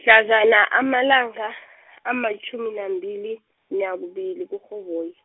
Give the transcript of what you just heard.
mhlazana amalanga , amatjhumi nambili, nakubili kuRhoboyi.